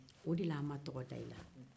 o de la an ma tɔgɔda i la